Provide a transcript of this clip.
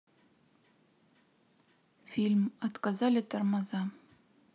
фильм отказали тормоза